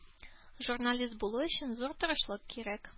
Журналист булу өчен зур тырышлык кирәк.